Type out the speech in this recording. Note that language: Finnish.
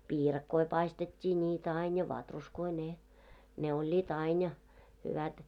piirakoita paistettiin niitä aina ja vatruskoja ne ne olivat aina ja hyvät